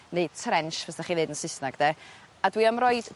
neu trench fysach chi ddeud yn Sysnag 'de a dwi am roid